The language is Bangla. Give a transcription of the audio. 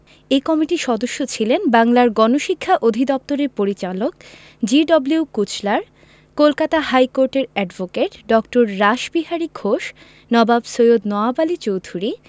এ কমিটির সদস্য ছিলেন বাংলার গণশিক্ষা অধিদপ্তরের পরিচালক জি.ডব্লিউ কুচলার কলকাতা হাইকোর্টের অ্যাডভোকেট ড. রাসবিহারী ঘোষ নবাব সৈয়দ নওয়াব আলী চৌধুরী